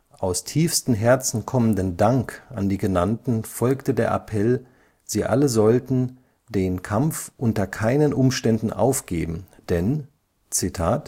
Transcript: aus tiefstem Herzen kommenden Dank “an die Genannten folgte der Appell, sie alle sollten „ den Kampf unter keinen Umständen aufgeben “, denn: „ Aus